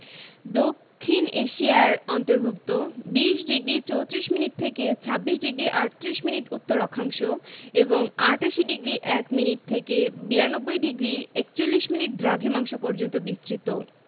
দক্ষিণ এশিয়ার অন্তর্ভুক্ত ২০ডিগ্রি ৩৪ মিনিট থেকে ২৬ ডিগ্রি ৩৮ মিনিট উত্তর অক্ষাংশ এবং ৮৮ ডিগ্রি ০১ মিনিট থেকে ৯২ ডিগ্রি ৪১মিনিট দ্রাঘিমাংশ পর্যন্ত বিস্তৃত